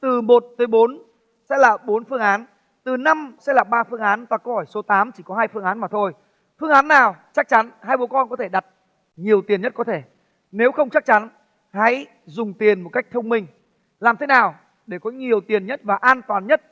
từ một tới bốn sẽ là bốn phương án từ năm sẽ là ba phương án và câu hỏi số tám chỉ có hai phương án mà thôi phương án nào chắc chắn hai bố con có thể đặt nhiều tiền nhất có thể nếu không chắc chắn hãy dùng tiền một cách thông minh làm thế nào để có nhiều tiền nhất và an toàn nhất